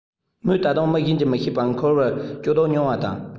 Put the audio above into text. མོས ད དུང མི གཞན གྱིས མི ཤེས པའི འཁུར བའི སྐྱོ སྡུག མྱོང བ དང